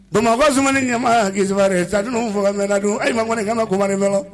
Bamakɔ zumanuni ɲɛ gesesɛri ye sadw fɔ mɛnna ayi kɔni' kaba